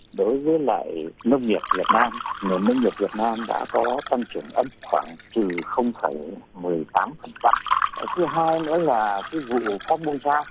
đối với lại nông nghiệp việt nam nền nông nghiệp việt nam đã có tăng trưởng âm khoảng trừ không phẩy mười tám phần trăm cái thứ hai nữa là cái vụ phóc mô xa